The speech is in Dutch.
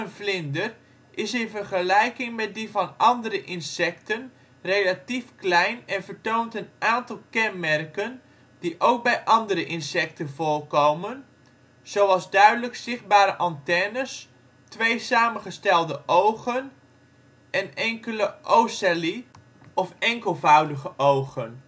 vlinder is in vergelijking met die van andere insecten relatief klein en vertoont een aantal kenmerken die ook bij andere insecten voorkomen, zoals duidelijk zichtbare antennes, twee samengestelde ogen en enkele ocelli of enkelvoudige ogen